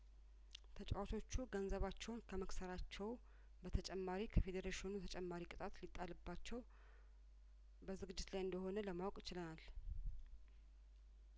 ተጫዋቾቹ ገንዘባቸውን ከመክሰራቸው በተጨማሪ ከፌዴሬሽኑ ተጨማሪ ቅጣት ሊጣልባቸው በዝግጅት ላይ እንደሆነ ለማወቅ ችለናል